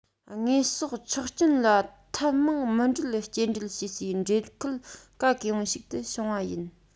དངོས ཟོག ཆག སྐྱོན ལ ཐབས མང མུ འབྲེལ སྐྱེལ འདྲེན བྱེད སའི འདྲེན ཁུལ ག གེ མོ ཞིག ཏུ བྱུང བ ཡིན